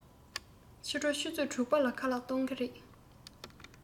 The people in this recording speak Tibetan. ཕྱི དྲོ ཆུ ཚོད དྲུག པར ཁ ལག གཏོང གི རེད